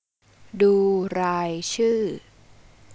ดูรายชื่อ